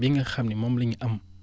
bi nga xam ne moom la ñu am